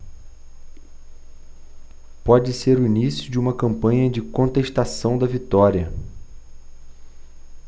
pode ser o início de uma campanha de contestação da vitória